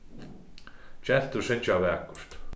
gentur syngja vakurt